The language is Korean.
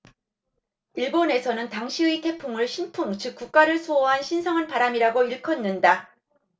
일본에서는 당시의 태풍을 신풍 즉 국가를 수호한 신성한 바람이라고 일컫는다